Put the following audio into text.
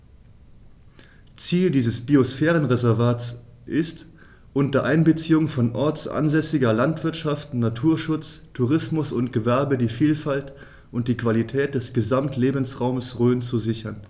Ziel dieses Biosphärenreservates ist, unter Einbeziehung von ortsansässiger Landwirtschaft, Naturschutz, Tourismus und Gewerbe die Vielfalt und die Qualität des Gesamtlebensraumes Rhön zu sichern.